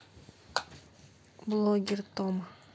блогер тома